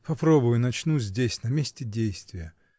— Попробую, начну здесь, на месте действия!